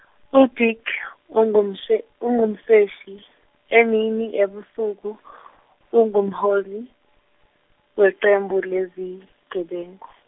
uDick ungumse- ungumseshi, emini ebusuku ungumholi weqembu lezigebengu.